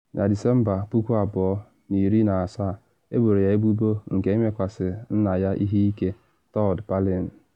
Na Disemba 2017, eboro ya ebubo nke ịmekwasị nna ya ihe ike, Todd Palin.